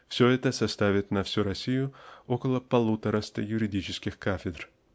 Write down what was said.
Все это составит на всю Россию около полутораста юридических кафедр.